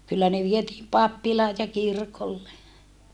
kyllä ne vietiin pappilaan ja kirkolle